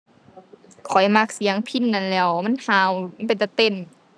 ข้อยมักเสียงพิณนั้นแหล้ว มันห่าว มันเป็นตาเต้น